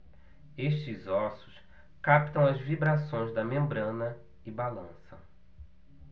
estes ossos captam as vibrações da membrana e balançam